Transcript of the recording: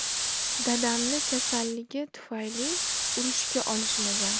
dadamni kasalligi tufayli urushga olishmagan